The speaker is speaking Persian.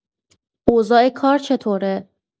اوضاع کار چطور شده؟